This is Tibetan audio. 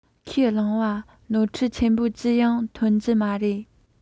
ཁས བླངས པ ནོར འཁྲུལ ཆེན པོ ཅི ཡང ཐོན གྱི མ རེད